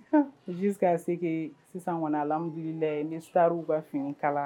Ji k ka se sisan kɔnɔ an bi la ni sa ka fini kala